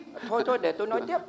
thôi thôi để tôi nói tiếp